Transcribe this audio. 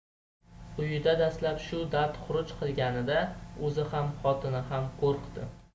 uyida dastlab shu dard xuruj qilganida o'zi ham xotini ham qo'rqdi